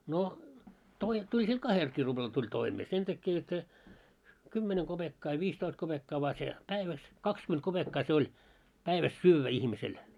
no - tuli sillä kahdellakin ruplalla tuli toimeen sen takia jotta se kymmenen kopeekkaa ja viisitoista kopeekkaa vain se päivässä kaksikymmentä kopeekkaa se oli päivässä syödä ihmisellä